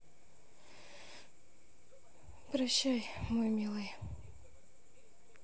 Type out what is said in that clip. прощай мой милый